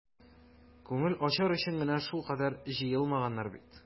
Күңел ачар өчен генә шулкадәр җыелмаганнар бит.